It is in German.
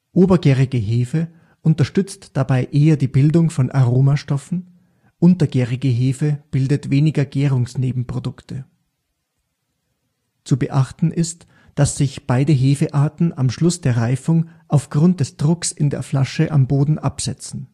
Obergärige Hefe unterstützt dabei eher die Bildung von Aromastoffen, untergärige Hefe bildet weniger Gärungsnebenprodukte. Zu beachten ist, dass sich beide Hefearten am Schluss der Reifung aufgrund des Drucks in der Flasche am Boden absetzen